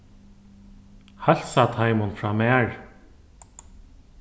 heilsa teimum frá mær